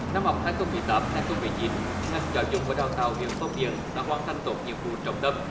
năm học hai không mười tám hai không mười chín ngành giáo dục và đào tạo huyện phong điền đã hoàn thành tốt nhiệm vụ trọng tâm